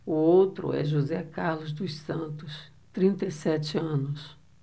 o outro é josé carlos dos santos trinta e sete anos